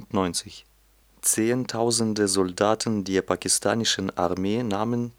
1992. Zehntausende Soldaten der pakistanischen Armee nahmen